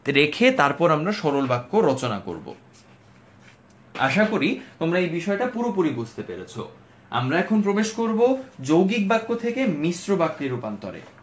রেখে তারপর আমরা সরল বাক্য রচনা করবো আশা করি তোমরা এই বিষয়টা পুরোপুরি বুঝতে পেরেছ আমরা এখন প্রবেশ করব যৌগিক বাক্য থেকে মিশ্র বাক্যে রূপান্তরে